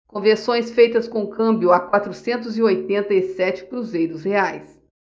conversões feitas com câmbio a quatrocentos e oitenta e sete cruzeiros reais